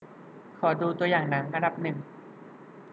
ขอดูตัวอย่างหนังอันดับหนึ่ง